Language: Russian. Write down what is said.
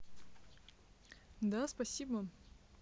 да спасибо